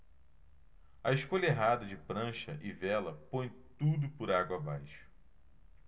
a escolha errada de prancha e vela põe tudo por água abaixo